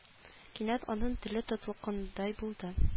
Кинәт аның теле тотлыккандай булды